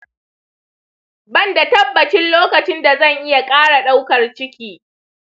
ban da tabbacin lokacin da zan iya ƙara daukar ciki .